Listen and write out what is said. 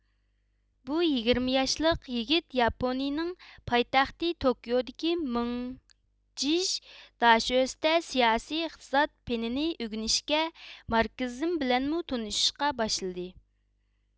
بۇ يىگىرمە ياشلىق يىگىت ياپونىيىنىڭ پايتەختى توكيودىكى مىڭجىژ داشۆسىدە سىياسىي ئىقتىساد پېنىنى ئۆگىنىشكە ماركسىزم بىلەنمۇ تونۇشۇشقا باشلىدى